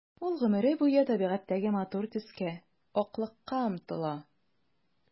Ул гомере буе табигатьтәге матур төскә— аклыкка омтыла.